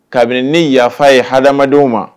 Kabini ni yafa ye hadamadenw ma